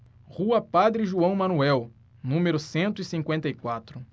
rua padre joão manuel número cento e cinquenta e quatro